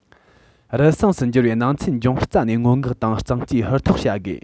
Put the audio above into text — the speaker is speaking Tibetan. རུལ སུངས སུ འགྱུར བའི སྣང ཚུལ འབྱུང རྩ ནས སྔོན འགོག དང གཙང བཅོས ཧུར ཐག བྱ དགོས